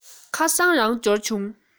ཁ སང རང འབྱོར བྱུང